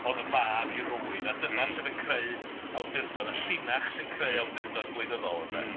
Oedd yn fab... m-hm. ...i rywun a dyna... m-hm. ...sydd yn creu awdurdod. A llinach sy'n creu awdurdod gwleidyddol... m-hm.